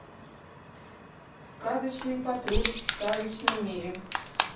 сказочный патруль в сказочном мире